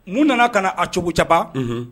U nana ka a cogo caba